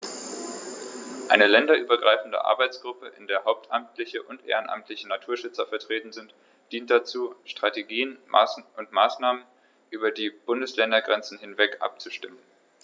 Eine länderübergreifende Arbeitsgruppe, in der hauptamtliche und ehrenamtliche Naturschützer vertreten sind, dient dazu, Strategien und Maßnahmen über die Bundesländergrenzen hinweg abzustimmen.